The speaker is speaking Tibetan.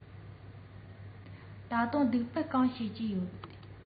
ད དུང སྡུག པ གང བྱེད ཀྱི ཡོད རས